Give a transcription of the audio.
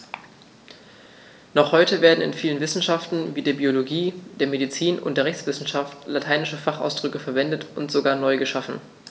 Noch heute werden in vielen Wissenschaften wie der Biologie, der Medizin und der Rechtswissenschaft lateinische Fachausdrücke verwendet und sogar neu geschaffen.